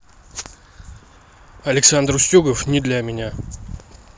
александр устюгов не для меня